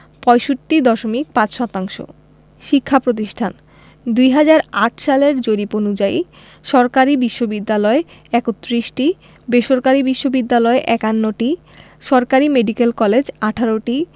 ৬৫.৫ শতাংশ শিক্ষাপ্রতিষ্ঠানঃ ২০০৮ সালের জরিপ অনুযায়ী সরকারি বিশ্ববিদ্যালয় ৩১টি বেসরকারি বিশ্ববিদ্যালয় ৫১টি সরকারি মেডিকেল কলেজ ১৮টি